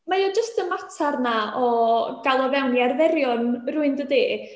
Mae o jyst y mater 'na o gael o fewn i arferion rywun, dydi?